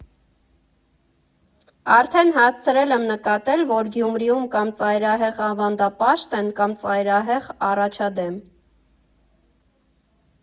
Արդեն հասցրել եմ նկատել, որ Գյումրիում կա՛մ ծայրահեղ ավանդապաշտ են, կա՛մ ծայրահեղ առաջադեմ։